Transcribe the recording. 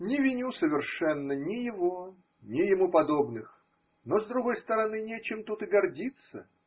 Не виню совершенно ни его, ни ему подобных: но с другой стороны нечем тут и гордиться.